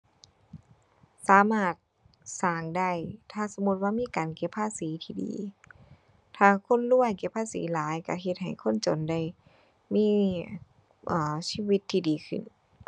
สามารถสร้างได้ ถ้าสมมุติว่ามีการเก็บภาษีที่ดี ถ้าคนรวยเก็บภาษีหลายก็เฮ็ดให้คนจนได้มี เอ่อ ชีวิตที่ดีขึ้น